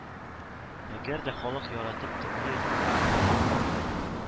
Әгәр дә халык яратып тыңлый